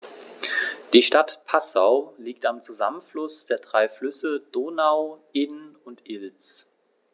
Die Stadt Passau liegt am Zusammenfluss der drei Flüsse Donau, Inn und Ilz.